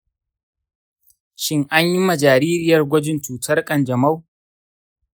shin anyi ma jaririyar gwajin cutan kanjamau?